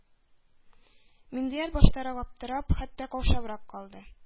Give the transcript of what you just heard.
Миндияр баштарак аптырап, хәтта каушабрак калды.